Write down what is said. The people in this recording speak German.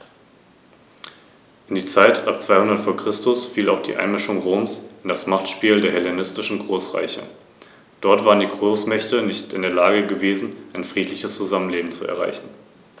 Während sie einen Fixbetrag an den Staat abführten, konnten sie Mehreinnahmen behalten.